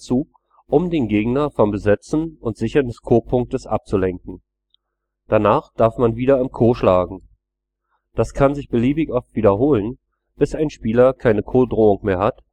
um den Gegner vom Besetzen und Sichern des Ko-Punktes abzulenken. Danach darf man wieder im Ko schlagen. Das kann sich beliebig oft wiederholen, bis ein Spieler keine Ko-Drohung mehr hat